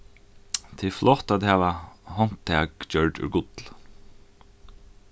tað er flott at hava handtak gjørd úr gulli